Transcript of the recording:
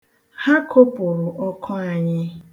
Ha kopụrụ ọkụ anyị.